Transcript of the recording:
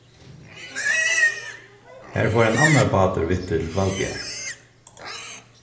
har fór ein annar bátur við tí til hvalbiar